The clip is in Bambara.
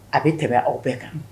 A bɛ tɛmɛ aw bɛɛ kan